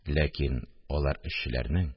Ләкин алар эшчеләрнең